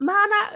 Ma' 'na...